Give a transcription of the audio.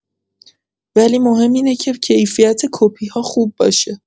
ولی مهم فقط اینه که کیفیت کپی‌ها خوب باشه